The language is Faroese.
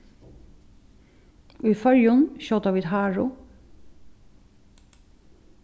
í føroyum skjóta vit haru